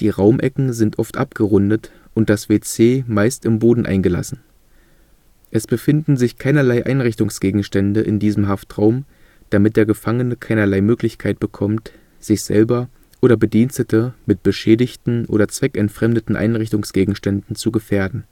Raumecken sind oft abgerundet und das WC meist im Boden eingelassen. Es befinden sich keinerlei Einrichtungsgegenstände in diesem Haftraum, damit der Gefangene keinerlei Möglichkeit bekommt, sich selber oder Bedienstete mit beschädigten oder zweckentfremdeten Einrichtungsgegenständen zu gefährden